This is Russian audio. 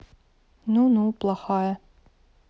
ну ну плохая